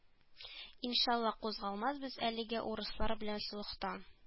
Иншалла кузгалмас без әлегә урыслар белән солыхта